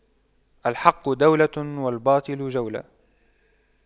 الحق دولة والباطل جولة